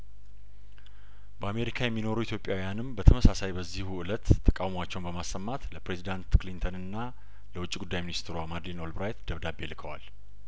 በአሜሪካ የሚኖሩ ኢትዮጵያውያንም በተመሳሳይበዚሁ እለት ተቃውሟቸውን በማሰማት ለፕሬዚዳንት ክሊንተንና ለውጭ ጉዳይ ሚኒስትሯ ማድሊን ኦልብራይት ደብዳቤ ልከዋል